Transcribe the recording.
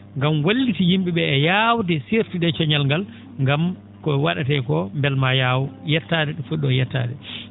gam walliti yim?e ?ee e yaawde seertude e coñal ngal gam ko wa?etee koo mbel maa yaaw yettaade ?o foti ?oo yettaade